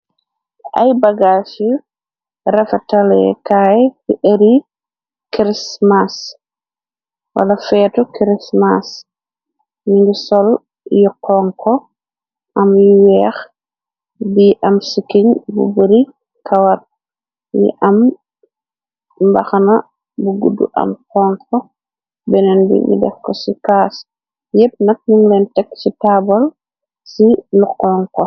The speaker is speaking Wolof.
Ay bagaaci yi rafe talee kaay bi ëri chrismas wala feetu crismas ni ngi sol yu xonko am yu weex bi am sikiñ bu bari kawar yi am mbaxana bu gudd am xonko beneen bi ni dex ko ci caas yépp nak ñuñ leen tekk ci taabal ci lu xonko.